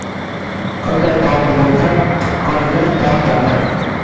qilday tomir bo'lsa tuqqaniga tortar